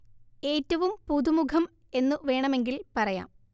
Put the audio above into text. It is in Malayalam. എറ്റവും പുതുമുഖം എന്നു വേണമെങ്കില്‍ പറയാം